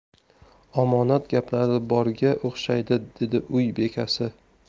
omonat gaplari borga o'xshaydi dedi uy bekasi